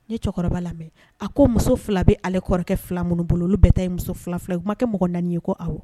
Ni cɛkɔrɔba lamɛn a ko muso fila bɛ ale kɔrɔkɛ fila minnu bolo olu bɛ taa muso fila fila u kuma ma kɛ mɔgɔ naani ye ko aw